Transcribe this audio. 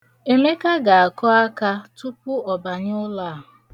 Emeka ga-akụ aka tupu ọ banye ụlọ a.